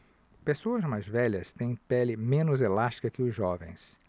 pessoas mais velhas têm pele menos elástica que os jovens